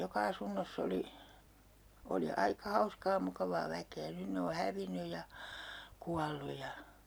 joka asunnossa oli oli aika hauskaa mukavaa väkeä nyt ne on hävinnyt ja kuollut ja